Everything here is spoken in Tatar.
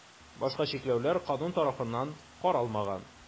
Башка чикләүләр канун тарафыннан каралмаган.